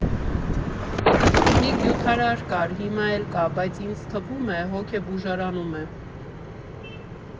Մի գյուտարար կար, հիմա էլ կա, բայց ինձ թվում է՝ հոգեբուժարանում է։